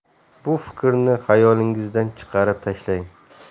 bu fikrni xayolingizdan chiqarib tashlang